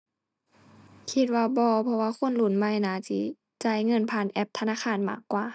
คิดว่าบ่ เพราะว่าคนรุ่นใหม่น่าสิจ่ายเงินผ่านแอปธนาคารมากกว่า